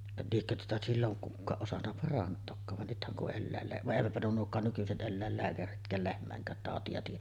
liekö tuota silloin kukaan osannut parantaakaan vaan nythän kun - vaan eivätpä nuo nuokaan nykyiset eläinlääkäritkään lehmienkään tauteja tiedä